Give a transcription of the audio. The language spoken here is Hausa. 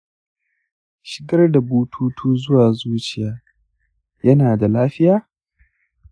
shigar da bututu zuwa zuciya yana da lafiya?